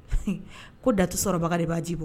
Unhun, ko datu sɔrɔbaga de b'a ji bɔ